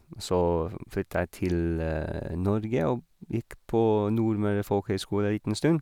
Så v flytta jeg til Norge og gikk på Nordmøre Folkehøgskole ei liten stund.